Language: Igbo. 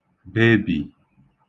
bebì